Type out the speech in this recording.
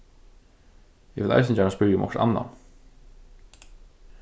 eg vil eisini gjarna spyrja um okkurt annað